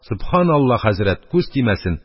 «сөбханалла, хәзрәт, күз тимәсен,